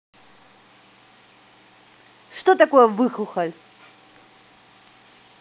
что такое выхухоль